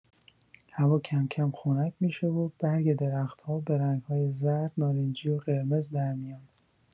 هوا کم‌کم خنک می‌شه و برگ درخت‌ها به رنگ‌های زرد، نارنجی و قرمز در میان.